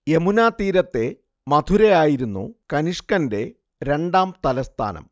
യമുനാ തീരത്തെ മഥുരയായിരുന്നു കനിഷ്കന്റെ രണ്ടാം തലസ്ഥാനം